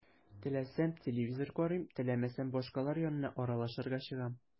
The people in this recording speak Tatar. Теләсәм – телевизор карыйм, теләсәм – башкалар янына аралашырга чыгам.